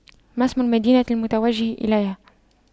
ما اسم المدينة المتوجه إليها